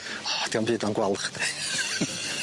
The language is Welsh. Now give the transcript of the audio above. O dio'm byd on' gwalch de?